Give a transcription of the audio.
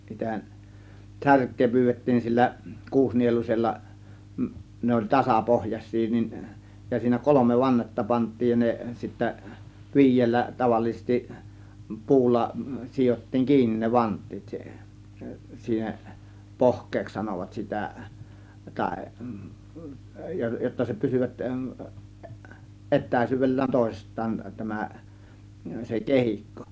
sitä särkeä pyydettiin siellä kuusinieluisella ne oli tasapohjaisia niin ja siinä kolme vannetta pantiin ja ne sitten viidellä tavallisesti puulla sidottiin kiinni ne vanteet siihen siihen pohkeeksi sanovat sitä tai jotta se pysyvät etäisyydellään toisistaan tämä se kehikko